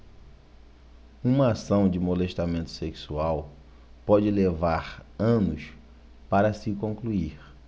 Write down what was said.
uma ação de molestamento sexual pode levar anos para se concluir